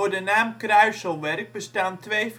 de naam Kruiselwerk bestaan twee